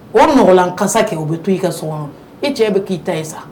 Wari nɔgɔlan kasa kɛ u bɛ to i ka so kɔnɔ e cɛ bɛ k'i ta ye sa